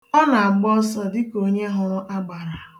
Ọ na-agba ọsọ dị ka onye hụrụ agbara.